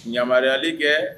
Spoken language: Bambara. Yamali kɛ